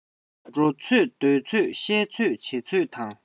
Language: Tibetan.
འགྲོ ཚོད སྡོད ཚོད བཤད ཚོད བྱེད ཚོད དང